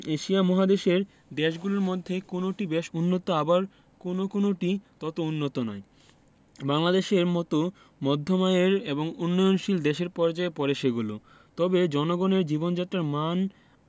Asia মহাদেশের দেশগুলোর মধ্যে কোনটি বেশ উন্নত আবার কোনো কোনোটি তত উন্নত নয় বাংলাদেশের মতো মধ্যম আয়ের এবং উন্নয়নশীল দেশের পর্যায়ে পড়ে সেগুলো তবে জনগণের জীবনযাত্রার মান